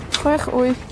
...chwech wyth.